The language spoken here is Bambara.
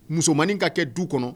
Musomanin ka kɛ du kɔnɔ